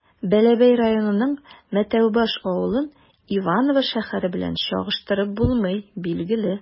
Бәләбәй районының Мәтәүбаш авылын Иваново шәһәре белән чагыштырып булмый, билгеле.